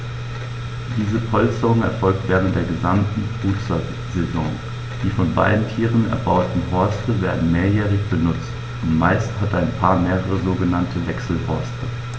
Diese Polsterung erfolgt während der gesamten Brutsaison. Die von beiden Tieren erbauten Horste werden mehrjährig benutzt, und meist hat ein Paar mehrere sogenannte Wechselhorste.